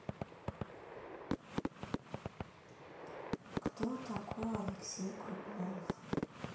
кто такой алексей круглов